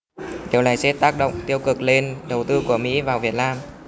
điều này sẽ tác động tiêu cực lên đầu tư của mỹ vào việt nam